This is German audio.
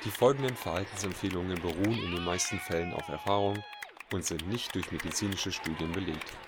folgenden Verhaltensempfehlungen beruhen in den meisten Fällen auf Erfahrung und sind nicht durch medizinische Studien belegt